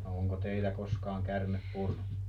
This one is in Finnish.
no onko teitä koskaan käärme purrut